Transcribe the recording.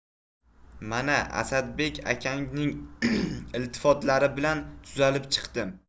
mana asadbek akangning iltifotlari bilan tuzalib chiqdim